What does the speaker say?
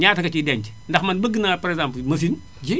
ñaata nga ciy denc ndax man bëgg naa par exemple machine ji